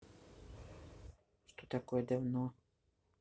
что такое давно